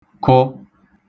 kụ